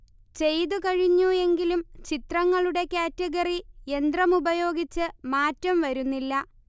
ചെയ്തു കഴിഞ്ഞു എങ്കിലും ചിത്രങ്ങളുടെ കാറ്റഗറി യന്ത്രം ഉപയോഗിച്ച് മാറ്റം വരുന്നില്ല